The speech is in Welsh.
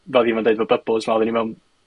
fel deud ma' bybls 'ma ma' ni mewn...